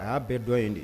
A y'a bɛɛ dɔn yen de